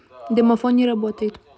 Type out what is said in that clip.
домофон не работает